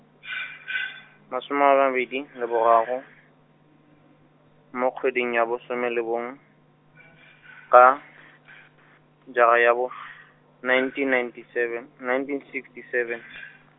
masoma a mabedi, le boraro, mo kgweding ya bosome le bong- , ka , jara ya bo , nineteen ninety seven, nineteen sixty seven.